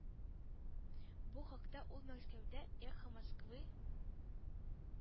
Бу хакта ул Мәскәүдә “Эхо Москвы”